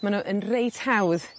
ma' n'w yn reit hawdd